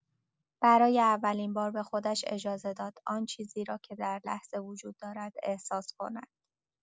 برای اولین بار به خودش اجازه داد آن چیزی را که در لحظه وجود دارد احساس کند.